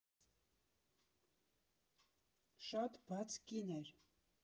Շատ բաց կին էր։